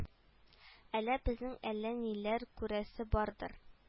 Әле безнең әллә ниләр күрәсе бардыр